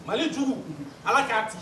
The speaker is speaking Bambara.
Malijugu ala k'a to